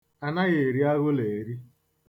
Anaghị eri aghụlọ eri.